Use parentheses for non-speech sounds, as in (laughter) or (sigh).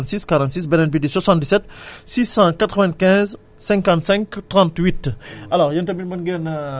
77 413 46 46 beneen bi di 77 (breath) 695 55 38